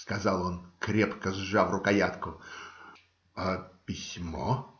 - сказал он, крепко сжав рукоятку. - А письмо?